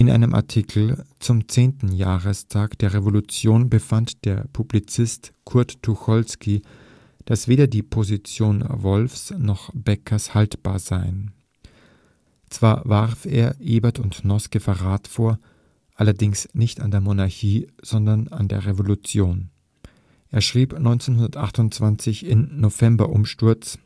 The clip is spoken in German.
einem Artikel zum 10. Jahrestag der Revolution befand der Publizist Kurt Tucholsky, dass weder die Position Wolffs noch die Baeckers haltbar seien. Zwar warf auch er Ebert und Noske Verrat vor – allerdings nicht an der Monarchie, sondern an der Revolution. Er schrieb 1928 in „ November-Umsturz